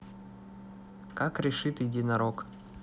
как решит единорог